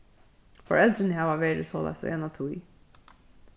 foreldrini hava verið soleiðis í eina tíð